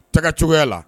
Tɛgɛ cogoyaya la